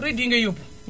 produit yi ngay yóbbu